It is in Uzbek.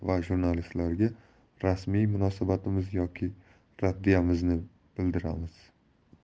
va jurnalistlarga rasmiy munosabatimiz yoki raddiyamizni bildiramiz